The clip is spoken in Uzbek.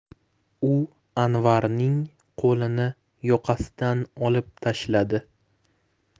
u anvarning qo'lini yoqasidan olib tashladi